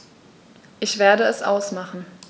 Ich werde es ausmachen